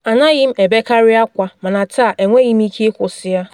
“Anaghị m ebekarị akwa mana taa enweghị m ike ịkwụsị ya.